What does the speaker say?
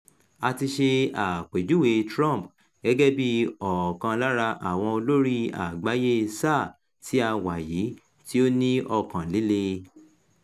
A ti ṣe àpèjúwe Trump gẹ́gẹ́ bí “ọ̀kan lára àwọn olórí àgbáyé sáà tí a wà yìí tí ó ní ọkàn líle.”